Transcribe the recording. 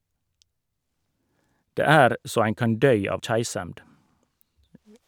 Det er så ein kan døy av keisemd.